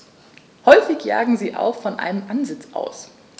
Häufig jagen sie auch von einem Ansitz aus.